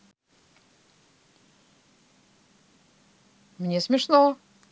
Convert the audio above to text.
мне смешно